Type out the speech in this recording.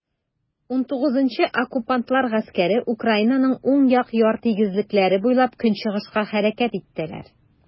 XIX Оккупантлар гаскәре Украинаның уң як яр тигезлекләре буйлап көнчыгышка хәрәкәт иттеләр.